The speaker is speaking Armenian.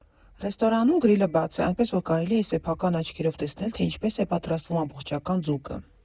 Ռեստորանում գրիլը բաց է, այնպես որ կարելի է սեփական աչքերով տեսնել, թե ինչպես է պատրաստվում ամբողջական ձուկը։